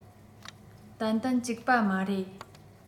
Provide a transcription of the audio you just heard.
ཏན ཏན གཅིག པ མ རེད